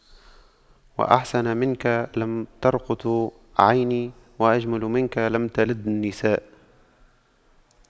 وأحسن منك لم تر قط عيني وأجمل منك لم تلد النساء